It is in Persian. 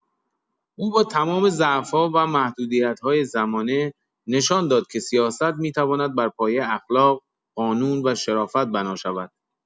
او با تمام ضعف‌ها و محدودیت‌های زمانه، نشان داد که سیاست می‌تواند بر پایه اخلاق، قانون و شرافت بنا شود.